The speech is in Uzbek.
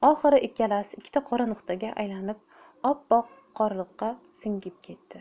oxiri ikkalasi ikkita qora nuqtaga aylanib oppoq qorliqqa singib ketdi